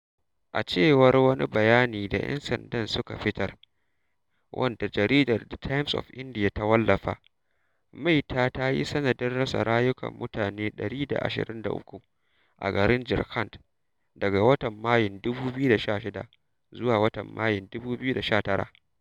A cewar wani bayani da 'yan sanda suka fitar wanda jaridar The Times of India ta wallafa, maita ta yi sanadin rasa rayukan mutane 123 a garin Jharkhand daga watan Mayun 2016 zuwa watan Mayun 2019.